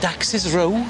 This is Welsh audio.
Daxis Row?